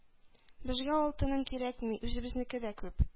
— безгә алтының кирәкми — үзебезнеке дә күп.